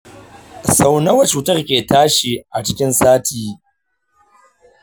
sau nawa cutar ke tashi a cikin sati?